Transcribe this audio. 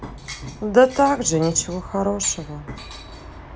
да так же ничего хорошего